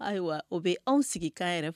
Ayiwa o bɛ anw sigi k'an yɛrɛ fɔ